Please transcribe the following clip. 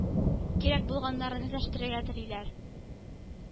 Кирәк булганнарын үзләштерергә телиләр.